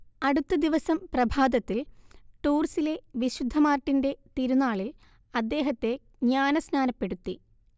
അടുത്ത ദിവസം പ്രഭാതത്തിൽ ടൂർസിലെ വിശുദ്ധ മാർട്ടിന്റെ തിരുനാളിൽ അദ്ദേഹത്തെ ജ്ഞാനസ്നാനപ്പെടുത്തി